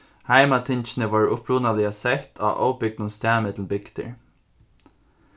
heimatingini vóru upprunaliga sett á óbygdum stað millum bygdir